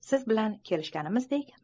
siz bilan kelishganimizdek